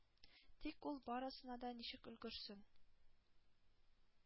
Тик... ул барысына да ничек өлгерсен?!